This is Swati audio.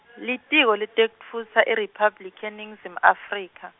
Litiko leTekutfutsa IRiphabliki yeNingizimu Afrika.